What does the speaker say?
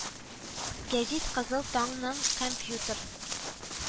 Гәзит Кызыл таңның компьютер